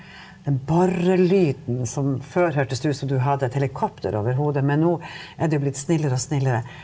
den borelyden som før hørtes ut som du hadde et helikopter over hodet, men nå er det jo blitt snillere og snillere.